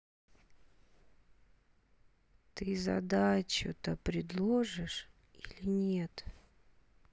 ты задачу то предложишь или нет